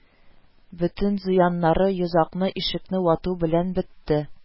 Бөтен зыяннары йозакны-ишекне вату белән бетте